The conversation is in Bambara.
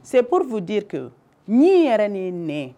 Seporourfu denke ɲɛ yɛrɛ ni n